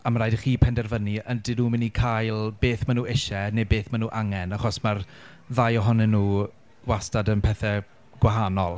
A ma' raid i chi penderfynnu ydyn nhw'n mynd i cael beth maen nhw isie neu beth mae nhw angen, achos mae'r ddau ohonyn nhw wastad yn pethe gwahanol.